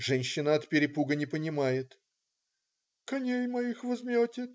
Женщина от перепуга не понимает. "Коней моих возьмете.